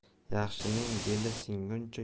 yaxshining beli singuncha